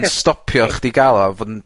...stopio chdi ga'l o a fod yn...